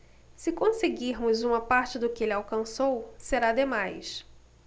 se conseguirmos uma parte do que ele alcançou será demais